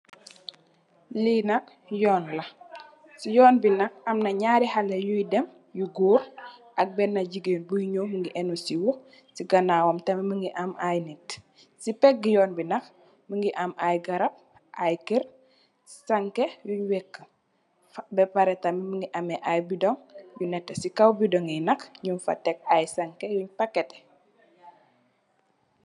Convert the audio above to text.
Lii nak yonla. Si yonbi nak amna nyarri haleh yuy dem yu gorr ak benna gigeen buy nyow mungi ennu siwo. Si ganawam tamit mungi am ayy nit. Si peggu yonbi nak mungi ameh ayy garab, ayy Kerr, sankeh yuny wekk. Beh pareh tam mungi ameh ayy bidong yu neteh, si kaw bidong yii nak nyungfa Tek ayy sankeh yuny paketeh.